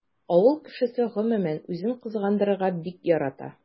Авыл кешесе гомумән үзен кызгандырырга бик ярата.